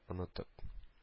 Онытып